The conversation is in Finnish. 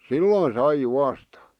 silloin sai juosta